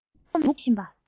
སུས ཀྱང འབུ རྐོ མི སྤོབས